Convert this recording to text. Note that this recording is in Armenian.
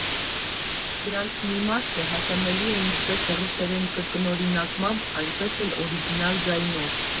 Դրանց մեծ մասը հասանելի է ինչպես ռուսերեն կրկնօրինակմամբ, այնպես էլ օրիգինալ ձայնով։